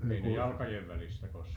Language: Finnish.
ei ne jalkojen välistä koskaan